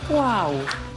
Waw.